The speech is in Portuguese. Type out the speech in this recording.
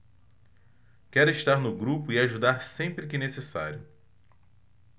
quero estar no grupo e ajudar sempre que necessário